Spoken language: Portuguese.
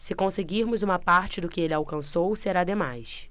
se conseguirmos uma parte do que ele alcançou será demais